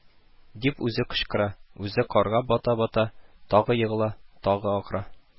– дип үзе кычкыра, үзе карга бата-бата, тагы егыла, тагы акыра: